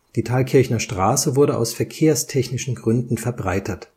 Die Thalkirchner Straße wurde aus verkehrstechnischen Gründen verbreitert